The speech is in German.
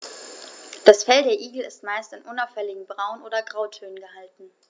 Das Fell der Igel ist meist in unauffälligen Braun- oder Grautönen gehalten.